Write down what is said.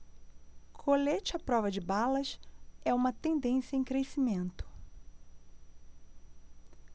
colete à prova de balas é uma tendência em crescimento